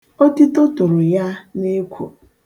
Otito toro ya n'ekwo.